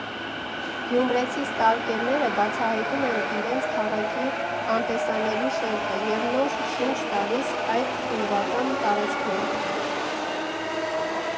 Գյումրեցի ստալկերները բացահայտում են իրենց քաղաքի անտեսանելի շերտը և նոր շունչ տալիս այդ ուրվական տարածքներին։